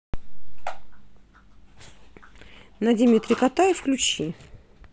найди мне три кота и включи